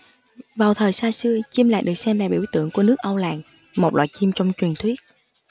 vào thời xa xưa chim lạc được xem là biểu tượng của nước âu lạc một loại chim trong truyền thuyết